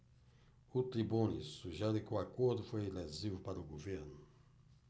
o tribune sugere que o acordo foi lesivo para o governo